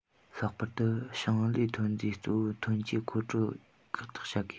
ལྷག པར དུ ཞིང ལས ཐོན རྫས གཙོ བོའི ཐོན སྐྱེད མཁོ སྤྲོད ཁག ཐེག བྱ དགོས